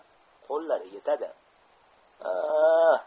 qo'llari yetadi